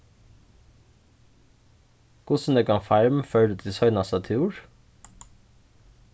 hvussu nógvan farm førdu tit seinasta túr